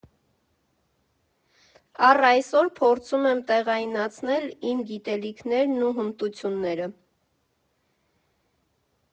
Առ այսօր փորձում եմ տեղայնացնել իմ գիտելիքներն ու հմտությունները։